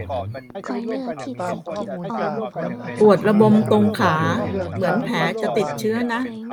ปวดระบมตรงขาเหมือนแผลจะติดเชื้อนะ